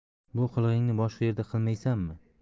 bu qilig'ingni boshqa yerda qilmaysanmi